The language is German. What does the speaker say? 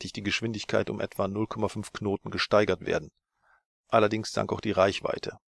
Geschwindigkeit um etwa 0,5 kn gesteigert werden, allerdings sank auch die Reichweite